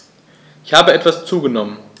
Ich habe etwas zugenommen